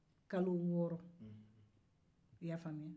kalo wɔɔrɔ i y'a faamuya